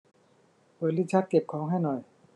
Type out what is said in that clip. เปิดลิ้นชักเก็บของให้หน่อย